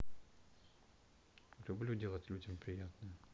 люблю делать людям приятное